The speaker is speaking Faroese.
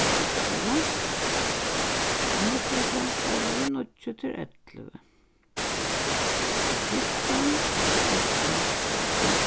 tað er ellivu og níggjuoghálvfems deila við níggju tað er ellivu fjúrtan fjúrtan fjúrtan